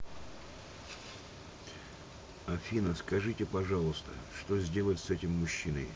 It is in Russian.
афина скажите пожалуйста что сделать с этим мужчиной